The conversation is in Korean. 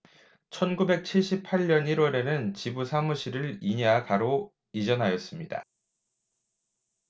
천 구백 칠십 팔 년 일 월에는 지부 사무실을 인야 가로 이전하였습니다